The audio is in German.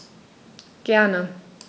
Gerne.